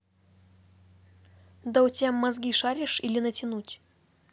да у тебя мозги шаришь или натянуть